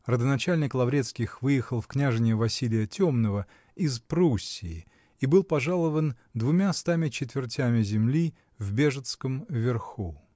Родоначальник Лаврецких выехал в княжение Василия Темного из Пруссии и был пожалован двумя стами четвертями земли в Бежецком верху.